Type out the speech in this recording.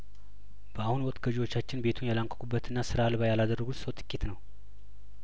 በአሁኑ ወቅት ገዢዎቻችን ቤቱን ያላንኳኩበትና ስራ አልባ ያላደረጉት ሰው ጥቂት ነው